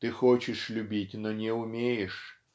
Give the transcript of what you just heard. Ты хочешь любить, но не умеешь.